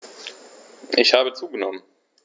Ich habe zugenommen.